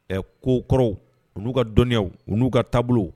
Ɛ ko kɔrɔw olu'u ka dɔnniyaw u n'u ka taabolo